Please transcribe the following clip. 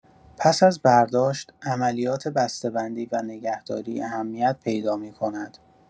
پس از برداشت، عملیات بسته‌بندی و نگهداری اهمیت پیدا می‌کند.